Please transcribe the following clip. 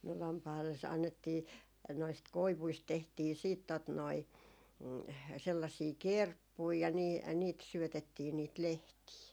no lampaille annettiin noista koivuista tehtiin sitten tuota noin sellaisia kerppuja ja niin ja niitä syötettiin niitä lehtiä